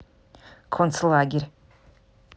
концлагерь